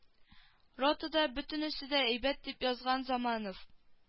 Ротада бөтенесе дә әйбәт дип язган заманов